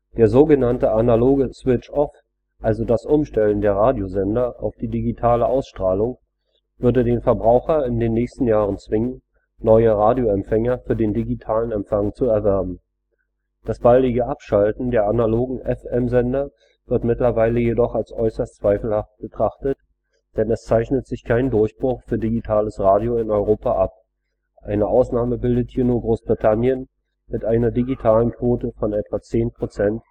Der sogenannte Analoge „ switch-off “, also das Umstellen der Radiosender auf die digitale Ausstrahlung, würde den Verbraucher in den nächsten Jahren zwingen, neue Radioempfänger für den digitalen Empfang zu erwerben. Das baldige Abschalten der analogen FM-Sender wird mittlerweile jedoch als äußerst zweifelhaft betrachtet, denn es zeichnet sich kein Durchbruch für digitales Radio in Europa ab – eine Ausnahme bildet hier nur Großbritannien mit einer digitalen Quote von etwa zehn Prozent